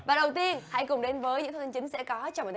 và đầu tiên hãy cùng đến với những thông tin chính sẽ có trong